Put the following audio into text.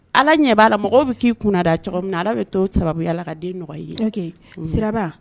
Ala ɲɛ b'a la mɔgɔw bɛ k'i kunda cogo min na ala bɛ to sababu ala ka den ye sira